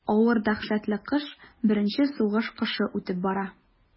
Авыр дәһшәтле кыш, беренче сугыш кышы үтеп бара.